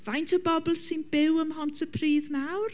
Faint o bobl sy'n byw ym Mhontypridd nawr?